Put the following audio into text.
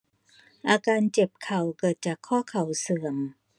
อาการเจ็บเข่าเกิดจากข้อเข่าเสื่อม